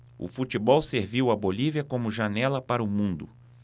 o futebol serviu à bolívia como janela para o mundo